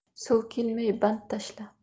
suv kelmay band tashla